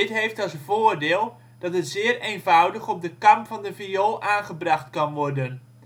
heeft als voordeel dat het zeer eenvoudig op de kam van de viool aangebracht kan worden